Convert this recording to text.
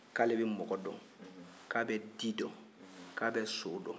ko ale bɛ mɔgɔ dɔn k'a bɛ di dɔn k'a bɛ so dɔn